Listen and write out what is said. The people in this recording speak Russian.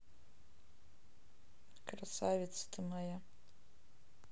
красавица ты моя